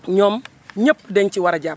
ñoom ñëpp dañ ci war a jàpp